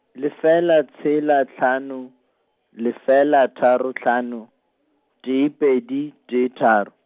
lefela tshela hlano, lefela tharo hlano, tee pedi, tee tharo.